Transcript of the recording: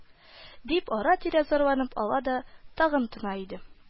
– дип, ара-тирә зарланып ала да тагы тына иде